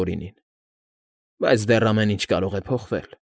Տորինին։֊ Բայց դեռ ամեն ինչ կարող է փոխվել։ ֊